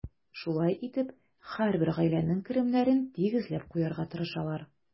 Шулай итеп, һәрбер гаиләнең керемнәрен тигезләп куярга тырышалар.